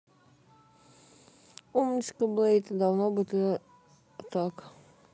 умничка блейд давно бы так